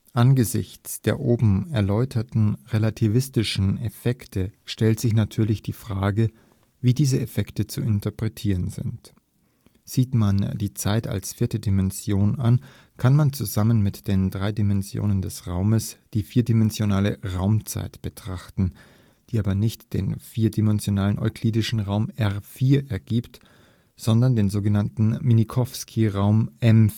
Angesichts der oben erläuterten relativistischen Effekte stellt sich natürlich die Frage, wie diese Effekte zu interpretieren sind. Sieht man die Zeit als vierte Dimension an, kann man zusammen mit den drei Dimensionen des Raumes die vierdimensionale Raumzeit betrachten, die aber nicht den vierdimensionalen Euklidischen Raum R 4 {\ displaystyle \ mathbb {R} ^ {4}} ergibt, sondern den sog. Minkowski-Raum M 4. {\ displaystyle \ mathbb {M} ^ {4}.} Der